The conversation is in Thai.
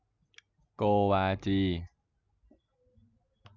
โกวาจี